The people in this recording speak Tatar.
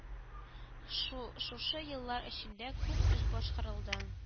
Шу шушы еллар эчендә күп эш башкарылды